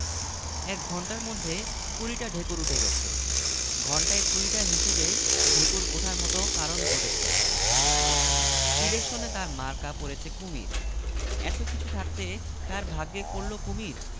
খুবই ভাল লাগে কিন্তু টাকা যে হারে যাচ্ছে তাতে মনে হচ্ছে দিন সাতেক পর আর কিছুই ভাল লাগবে না তার উপর মার্কা হল কুমীর কোন মানে হয় সিদ্দিক সাহেবের পাশে